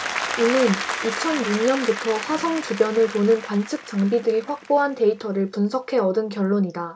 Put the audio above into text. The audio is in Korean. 이는 이천 육 년부터 화성 주변을 도는 관측 장비들이 확보한 데이터를 분석해 얻은 결론이다